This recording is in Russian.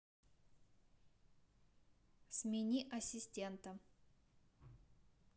смени ассистента